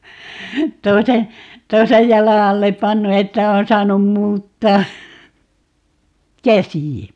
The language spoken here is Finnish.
toisen toisen jalan alle pannut että on saanut muuttaa käsiä